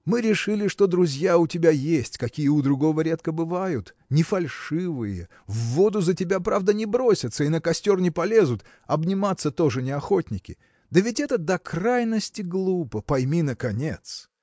Мы решили, что друзья у тебя есть, какие у другого редко бывают не фальшивые в воду за тебя правда не бросятся и на костер не полезут обниматься тоже не охотники да ведь это до крайности глупо пойми, наконец!